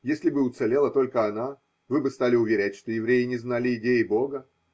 Если бы уцелела только она, вы бы стали уверять, что евреи не знали идеи Бога.